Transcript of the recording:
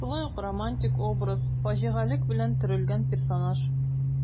Шулай ук романтик образ, фаҗигалек белән төрелгән персонаж.